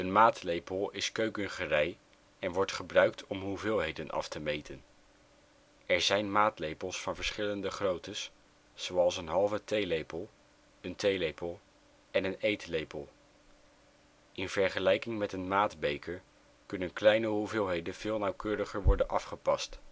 maatlepel is keukengerei en wordt gebruikt om hoeveelheden af te meten. Er zijn maatlepels van verschillende groottes, zoals een halve theelepel, een theelepel en een eetlepel. In vergelijking met een maatbeker kunnen kleine hoeveelheden veel nauwkeuriger worden afgepast